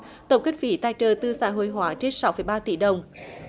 tổng kinh phí tài trợ từ xã hội hóa trên sáu phẩy ba tỷ đồng